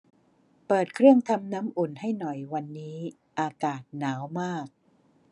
เปิดเครื่องทำน้ำอุ่นให้หน่อยวันนี้อากาศหนาวมาก